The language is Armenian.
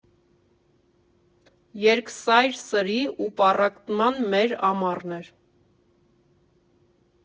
Երկսայր սրի ու պառակտման մեր ամառն էր։